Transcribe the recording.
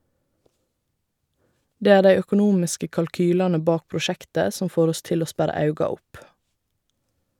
Det er dei økonomiske kalkylane bak prosjektet som får oss til å sperra auga opp.